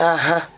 ahan